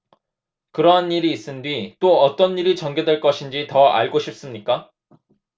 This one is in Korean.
그러한 일이 있은 뒤 또 어떤 일이 전개될 것인지 더 알고 싶습니까